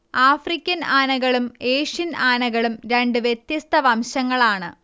African ആനകളും Asian ആനകളും രണ്ട് വ്യത്യസ്ത വംശങ്ങളാണ്